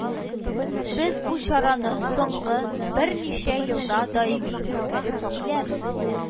Без бу чараны соңгы берничә елда даими үткәреп киләбез